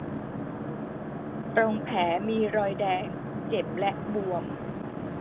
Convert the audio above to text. ตรงแผลมีรอยแดงเจ็บและบวม